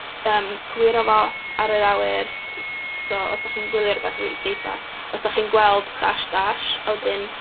yym, cywiro fo ar yr awyr s- so os dach chi'n gwylio rywbeth efo isdeitlau, os dach chi'n gweld dash dash, a wedyn...